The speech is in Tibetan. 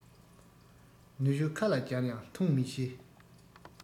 ནུ ཞོ ཁ ལ སྦྱར ཡང འཐུང མི ཤེས